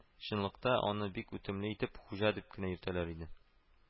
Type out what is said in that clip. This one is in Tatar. Чынлыкта аны бик үтемле итеп Хуҗа дип кенә йөртәләр иде